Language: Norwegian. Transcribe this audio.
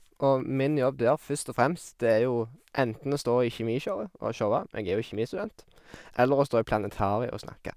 Og min jobb der først og fremst det er jo enten å stå i kjemishowet og showe, jeg er jo kjemistudent, eller å stå i planetariet og snakke.